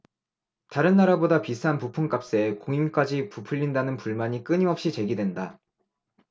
다른 나라보다 비싼 부품값에 공임까지 부풀린다는 불만이 끊임없이 제기된다